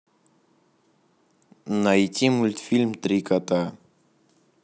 найти мультфильм три кота